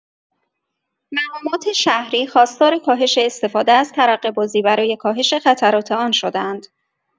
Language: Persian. مقامات شهری خواستار کاهش استفاده از ترقه‌بازی برای کاهش خطرات آن شده‌اند.